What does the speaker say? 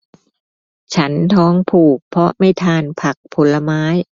ฉันท้องผูกเพราะไม่ทานผักผลไม้